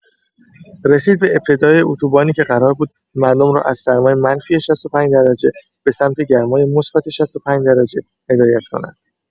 رسید به ابتدای اتوبانی که قرار بود مردم را از سرمای منفی ۶۵ درجه به‌سمت گرمای مثبت ۶۵ درجه هدایت کند؛